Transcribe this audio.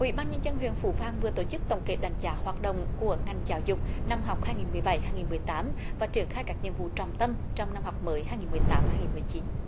ủy ban nhân dân huyện phú vang vừa tổ chức tổng kết đánh giá hoạt động của ngành giáo dục năm học hai nghìn mười bảy hai nghìn mười tám và triển khai các nhiệm vụ trọng tâm trong năm học mới hai nghìn mười tám hai nghìn mười chín